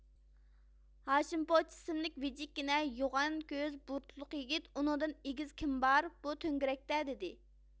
ھاشىم پوچى ئىسىملىك ۋىجىككىنە يوغان كۆز بۇرۇتلۇق يىگىت ئۇنىڭدىن ئېگىز كىم بار بۇ تۆڭگىرەكتە دىدى